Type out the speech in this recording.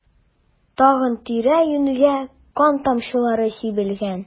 Тагын тирә-юньгә кан тамчылары сибелгән.